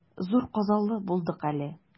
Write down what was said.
Зур казалы булдык әле.